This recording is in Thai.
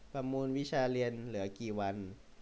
ประมูลวิชาเรียนเหลือกี่วัน